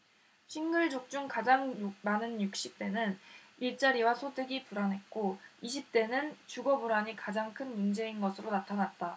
싱글족 중 가장 많은 육십 대는 일자리와 소득이 불안했고 이십 대는 주거 불안이 가장 큰 문제인 것으로 나타났다